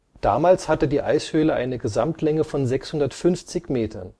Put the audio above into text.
Damals hatte die Eishöhle eine Gesamtlänge von 650 Metern